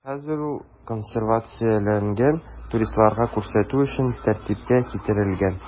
Хәзер ул консервацияләнгән, туристларга күрсәтү өчен тәртипкә китерелгән.